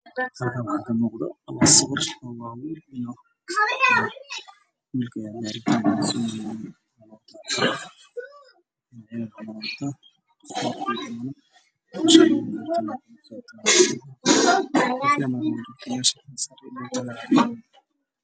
Meshan waxaa ka muuqda nin iyo naag